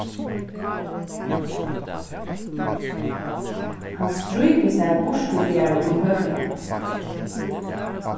hann strýkur sær burturfjarur um høkuna